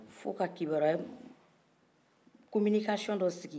fo ka kibaruya communication dɔ sigi